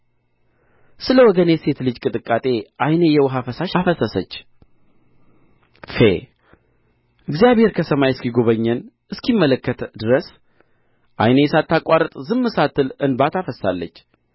ስለ ወገኔ ሴት ልጅ ቅጥቃጤ ዓይኔ የውኃ ፈሳሽ አፈሰሰች ፌ እግዚአብሔር ከሰማይ እስኪጐበኝና እስኪመለከት ድረስ ዓይኔ ሳታቋርጥ ዝም ሳትል እንባ ታፈስሳለች